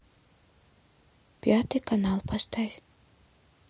пятый канал поставь